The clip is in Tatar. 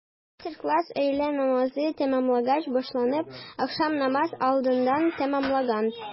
Мастер-класс өйлә намазы тәмамлангач башланып, ахшам намазы алдыннан тәмамланган.